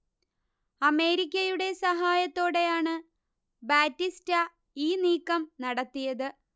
അമേരിക്കയുടെ സഹായത്തോടെയാണ് ബാറ്റിസ്റ്റ ഈ നീക്കം നടത്തിയത്